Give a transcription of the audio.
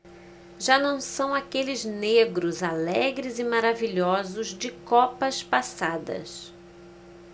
já não são aqueles negros alegres e maravilhosos de copas passadas